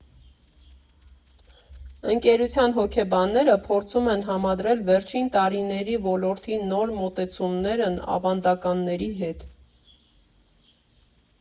Ընկերության հոգեբանները փորձում են համադրել վերջին տարիների ոլորտի նոր մոտեցումներն ավանդականների հետ։